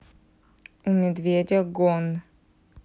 у медведя гон